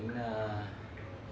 giới thiệu với quý vị